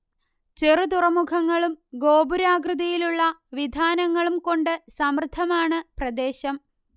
ചെറുതുറമുഖങ്ങളും ഗോപുരാകൃതിയിലുള്ള വിധാനങ്ങളും കൊണ്ട് സമൃദ്ധമാണ് പ്രദേശം